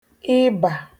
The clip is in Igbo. ịbà